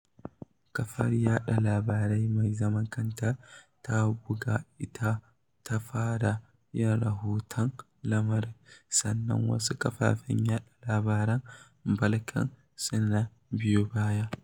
Kafar yaɗa labarai mai zaman kanta ta Buka ita ta fara yin rahoton lamarin, sannan wasu kafafen yaɗa labaran Balkan suna biyo baya.